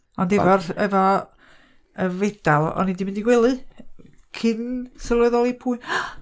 Ond efo'r, efo y fedal, o'n i 'di mynd i gwely cyn sylweddoli pwy...